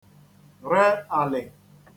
re àlị̀